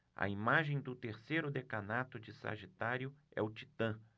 a imagem do terceiro decanato de sagitário é o titã